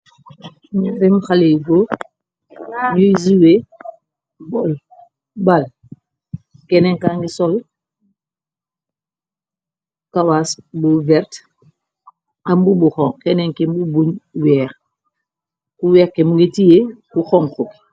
nerem xaley bur ñuy ziwe bal kenenka ngi sol kawas bu vert amkenenki mbu buñ ku wexke mu nga tiyé ku xong xuki